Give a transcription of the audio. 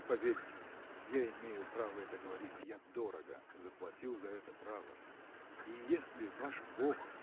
Поверьте мне -- я имею право это говорить: я дорого заплатил за это право. И если ваш бог.